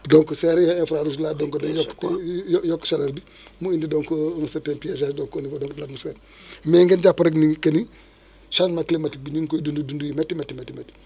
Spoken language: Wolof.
donc ces rayons infra rouge là dañuy yokku yokk chaleur bi mu indi donc un certain piégeage donc au nivaeu donc de l' atmosphère mais ngeen jàpp rek ni que ni changement climatique bi ñu ngi koy dund dund yu métti métti métti métti